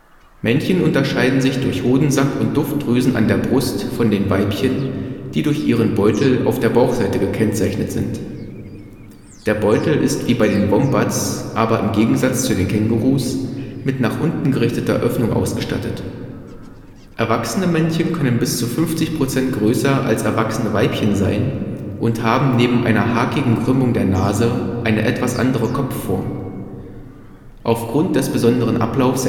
Männchen unterscheiden sich durch Hodensack und Duftdrüsen an der Brust von den Weibchen, die durch ihren Beutel auf der Bauchseite gekennzeichnet sind. Der Beutel ist wie bei den Wombats (im Gegensatz zu den Kängurus) mit nach unten gerichteter Öffnung ausgestattet. Erwachsene Männchen können bis zu 50 % größer als erwachsene Weibchen sein und haben neben einer hakigen Krümmung der Nase eine etwas andere Kopfform. Aufgrund des besonderen Ablaufs